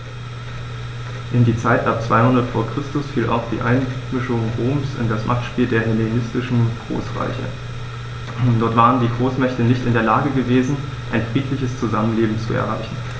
In die Zeit ab 200 v. Chr. fiel auch die Einmischung Roms in das Machtspiel der hellenistischen Großreiche: Dort waren die Großmächte nicht in der Lage gewesen, ein friedliches Zusammenleben zu erreichen.